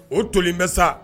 O tolen bɛ sa